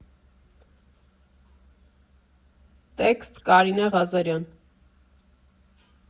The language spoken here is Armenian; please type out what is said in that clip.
Տեսքստ՝ Կարինե Ղազարյան։